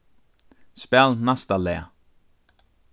spæl næsta lag